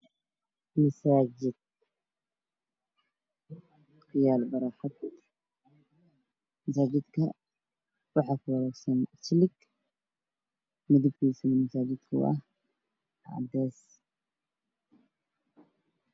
Masaajid ku yaalo barxad masaajidka waxaa ku wareegsan silig midabkiisuna masaajidka waa cadays